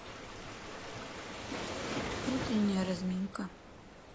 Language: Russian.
утренняя разминка